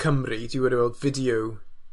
Cymru. Dewi wedi weld fideo